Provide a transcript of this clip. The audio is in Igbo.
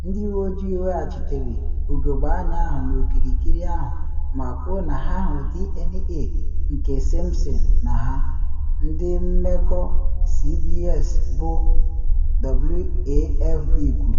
Ndị uwe ojii weghachitere ugogbe anya ahụ n’okirikiri ahụ ma kwuo na ha hụrụ DNA nke Simpson na ha, ndị mmekọ CBS bụ WAFB kwuru.